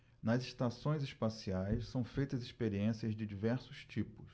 nas estações espaciais são feitas experiências de diversos tipos